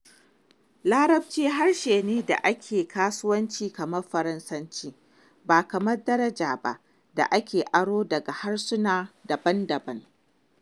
Larabci harshe ne na da ake yin kasuwanci tamkar Faransanci, ba kamar Darija ba da yake aro daga harsuna daban-daban.